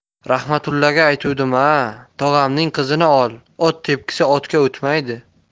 rahmatullaga aytuvdim a tog'angning qizini ol ot tepkisi otga o'tmaydi